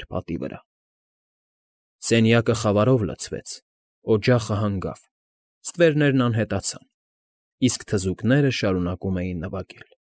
Էր պատի վրա։ Սենյակը խավարով լցվեց, օջախը հանգավ, ստվերներն անհետացան, իսկ թզուկները շարունակում էին նվագել։